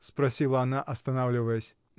— спросила она, останавливаясь.